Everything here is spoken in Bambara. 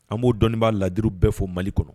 An bo dɔnniɔni ba ladiriw bɛɛ fɔ Mali kɔnɔ.